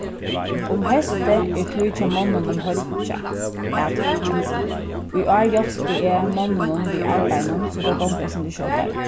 um heystið er tíð hjá monnum at hoyggja at hoyggja í ár hjálpti eg monnunum við arbeiðinum so tað gongur eitt sindur skjótari